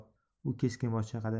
u keskin bosh chayqadi